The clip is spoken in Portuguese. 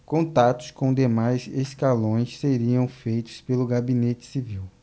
contatos com demais escalões seriam feitos pelo gabinete civil